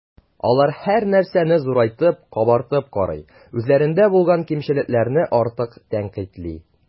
Алар һәрнәрсәне зурайтып, “кабартып” карый, үзләрендә булган кимчелекләрне артык тәнкыйтьли.